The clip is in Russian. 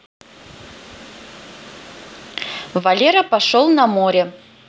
валера пошел на море